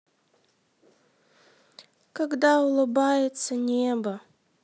когда улыбается небо